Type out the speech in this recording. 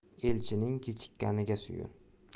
elchining kechikkaniga suyun